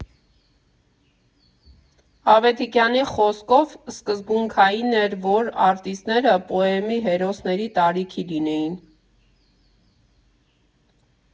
Ավետիքյանի խոսքով՝ սկզբունքային էր, որ արտիստները պոեմի հերոսների տարիքի լինեին։